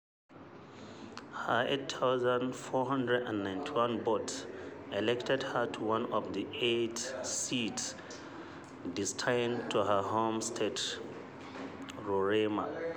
Her 8,491 votes elected her to one of the eight seats destined to her home state, Roraima.